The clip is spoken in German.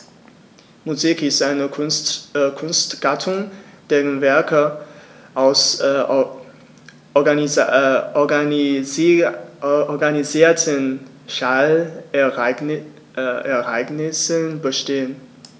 Musik ist eine Kunstgattung, deren Werke aus organisierten Schallereignissen bestehen.